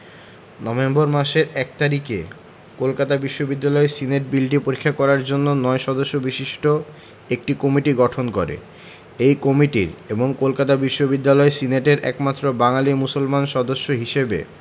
November মাসের ১ তারিখে কলকাতা বিশ্ববিদ্যালয় সিনেট বিলটি পরীক্ষা করার জন্য ৯ সদস্য বিশিষ্ট একটি কমিটি গঠন করে এই কমিটির এবং কলকাতা বিশ্ববিদ্যালয় সিনেটের একমাত্র বাঙালি মুসলমান সদস্য হিসেবে